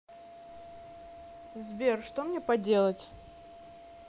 сбер что мне поделать